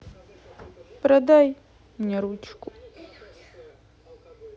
продай мне ручку